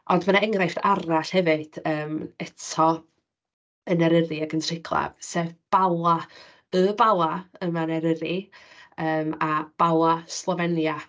Ond ma' 'na enghraifft arall hefyd, eto, yn Eryri ac yn Triglav, sef Bala, y Bala yma yn Eryri, yym a Bala Slofenia.